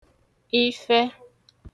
ịfẹ